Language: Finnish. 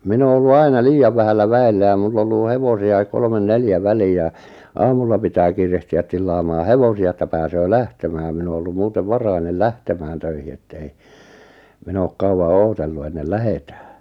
minä olen ollut aina liian vähällä väellä ja minulla ollut hevosiakin kolme neljä väliin ja aamulla pitää kiirehtiä tillaamaan hevosia että pääsee lähtemään minä olen ollut muuten varhainen lähtemään töihin että ei minä ole kauan odotellut ennen lähdetään